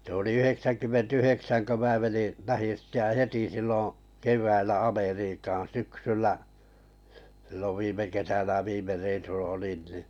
se oli yhdeksänkymmentä yhdeksän kun minä menin lähdin sitten ja heti silloin keväällä Amerikkaan syksyllä silloin viime kesänä viime reissulla olin niin